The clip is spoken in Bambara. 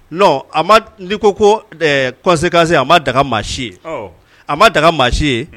N a ma n' ko ko kɔsekase a maa daga maa si ye a ma daga maa si ye